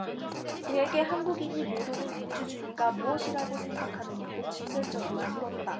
그에게 한국인이 모르는 민주주의가 무엇이라고 생각하느냐고 직설적으로 물었다